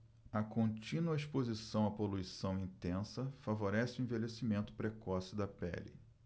a contínua exposição à poluição intensa favorece o envelhecimento precoce da pele